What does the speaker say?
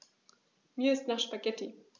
Mir ist nach Spaghetti.